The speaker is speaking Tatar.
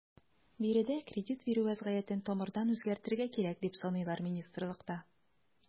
Биредә кредит бирү вәзгыятен тамырдан үзгәртергә кирәк, дип саныйлар министрлыкта.